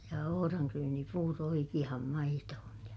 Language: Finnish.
ja ohranryynipuuro oikeaan maitoon ja